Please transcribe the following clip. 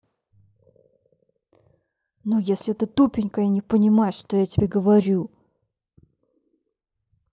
ну если ты тупенькая не понимаешь что я тебе говорю